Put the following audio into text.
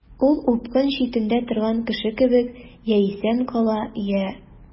Ул упкын читендә торган кеше кебек— я исән кала, я...